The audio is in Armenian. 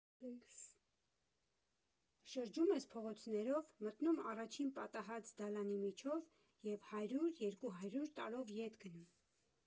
Շրջում ես փողոցներով, մտնում առաջին պատահած դալանի միջով և հարյուր, երկու հարյուր տարով ետ գնում.